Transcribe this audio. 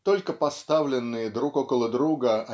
только поставленные друг около друга